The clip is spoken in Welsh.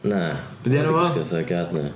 Na... Be 'di enw fo?... Odd o 'di gwisgo fatha gardener.